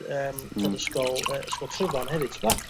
yym...hmm... t'wod Ysgol yy Ysgol Tryfan hefyd t'ma